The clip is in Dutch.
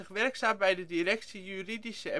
werkzaam bij de directie Juridische